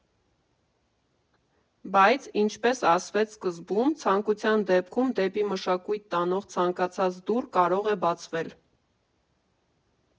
Բայց, ինչպես ասվեց սկզբում, ցանկության դեպքում դեպի մշակույթ տանող ցանկացած դուռ կարող է բացվել։